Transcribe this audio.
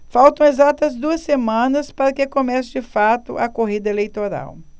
faltam exatas duas semanas para que comece de fato a corrida eleitoral